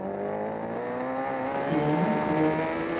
сериал квест